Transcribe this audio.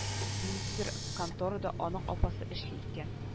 Ниндидер конторада аның апасы эшли икән